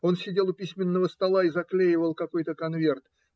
Он сидел у письменного стола и заклеивал какой-то конверт.